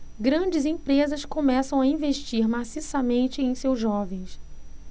grandes empresas começam a investir maciçamente em seus jovens